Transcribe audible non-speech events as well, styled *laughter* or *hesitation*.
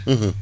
*hesitation* *hesitation*